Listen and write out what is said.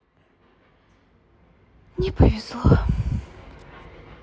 не повезло